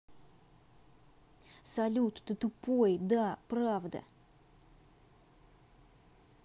салют ты тупой да правда